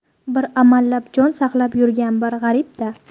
bir amallab jon saqlab yurgan bir g'aribda